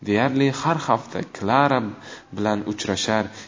deyarli har hafta klara bilan uchrashar